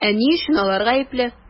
Ә ни өчен алар гаепле?